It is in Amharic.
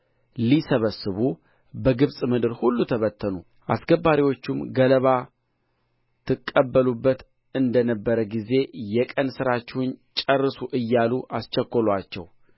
ሊሰበስቡ በግብፅ ምድር ሁሉ ተበተኑ አስገባሪዎቹም ገለባ ትቀበሉበት እንደ ነበረ ጊዜ የቀን ሥራችሁን ጨርሱ እያሉ አስቸኰሉአቸው